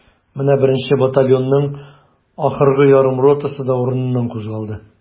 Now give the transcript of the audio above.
Менә беренче батальонның ахыргы ярым ротасы да урыныннан кузгалды.